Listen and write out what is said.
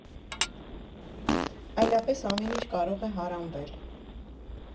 Այլապես ամեն ինչ կարող է հարամվել։